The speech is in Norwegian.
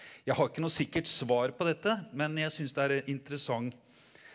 jeg har ikke noe sikkert svar på dette, men jeg synes det er interessant.